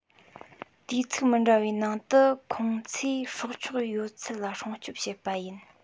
དུས ཚིགས མི འདྲ བའི ནང དུ ཁོང ཚོས སྲོག ཆགས ཡོད ཚད ལ སྲུང སྐྱོབ བྱེད པ ཡིན